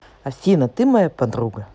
афина ты моя подруга